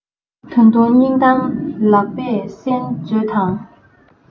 ད དུང སྙིང གཏམ ལགས པས གསན མཛོད དང